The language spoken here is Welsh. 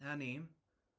'Na ni.